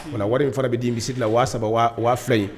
Kuma na wari in fana be di misiri la 3000 wa 2000 in